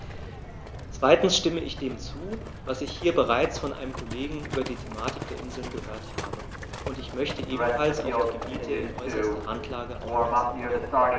Zweitens stimme ich dem zu, was ich hier bereits von einem Kollegen über die Thematik der Inseln gehört habe, und ich möchte ebenfalls auf die Gebiete in äußerster Randlage aufmerksam machen.